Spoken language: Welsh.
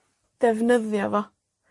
Defnyddia fo.